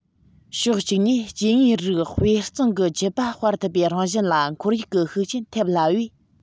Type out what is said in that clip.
ཕྱོགས གཅིག ནས སྐྱེ དངོས རིགས སྤུས གཙང གི རྒྱུད པ སྤེལ ཐུབ པའི རང བཞིན ལ ཁོར ཡུག གི ཤུགས རྐྱེན ཐེབས སླ བས